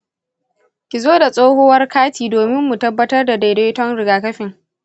ki zo da tsohuwar kati domin mu tabbatar da daidaiton rigakafin.